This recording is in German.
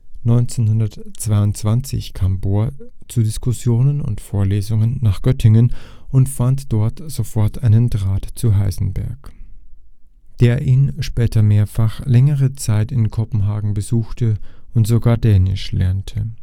1922 kam Bohr zu Diskussionen und Vorlesungen nach Göttingen und fand sofort einen „ Draht “zu Heisenberg, der ihn später mehrfach längere Zeit in Kopenhagen besuchte und sogar Dänisch lernte